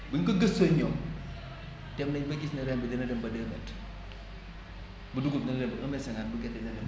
bu ñu ko gëstuwee ñoom dem nañ ba gis ne reen bi dina dem ba deux mètres bu dugub dina dem ba un mètre cinquante bu gerte dina def